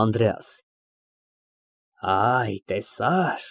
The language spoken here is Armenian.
ԱՆԴՐԵԱՍ ֊ Այ, տեսա՞ր։